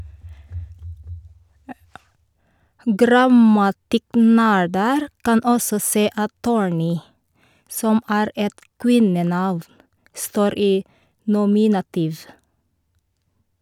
Grammatikknerder kan også se at Thorni, som er et kvinnenavn, står i nominativ.